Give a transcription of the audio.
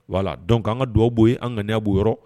Wala dɔn' ka dugawbabu bɔ ye an ka b yɔrɔ